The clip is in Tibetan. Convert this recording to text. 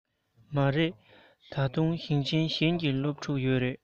མ རེད ད དུང ཞིང ཆེན གཞན གྱི སློབ ཕྲུག ཡོད རེད